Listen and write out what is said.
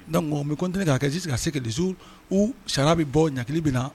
Donc an bɛ continuer ka kɛ jusqu'à ce que le jour ou sariya bɛ bɔ ɲankili bɛ na